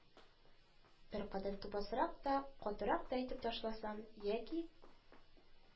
Беркадәр тупасрак та, катырак та әйтеп ташласам, яки,